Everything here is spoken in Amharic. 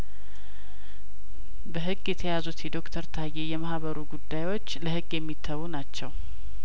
በህግ የተያዙት የዶክተር ታዬ የማህበሩ ጉዳዮች ለህግ የሚተዉ ናቸው